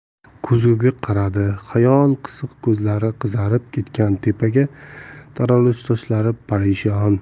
ko'zguga qaradi xiyol qisiq ko'zlari qizarib ketgan tepaga taraluvchi sochlari parishon